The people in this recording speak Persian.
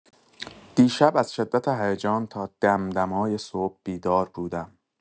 دیشب از شدت هیجان تا دم دمای صبح بیدار بودم.